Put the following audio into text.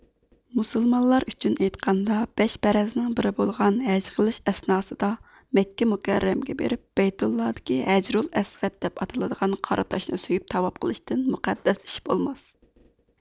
مۇسۇلمانلار ئۈچۈن ئېيتقاندا بەش پەرەزنىڭ بىرى بولغان ھەج قىلىش ئەسناسىدا مەككە مۇكەررەمەگە بېرىپ بەيتۇللا دىكى ھەجىرۇل ئەسۋەد دەپ ئاتىلىدىغان قارا تاشنى سۆيۈپ تاۋاپ قىلىشتىن مۇقەددەس ئىش بولماس